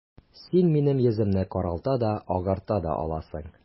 Син минем йөземне каралта да, агарта да аласың...